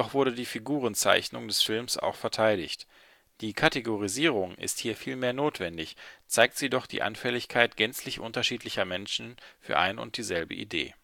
wurde die Figurenzeichnung des Films auch verteidigt: „ Die Kategorisierung ist hier vielmehr notwendig, zeigt sie doch die Anfälligkeit gänzlich unterschiedlicher Menschen für ein und dieselbe Idee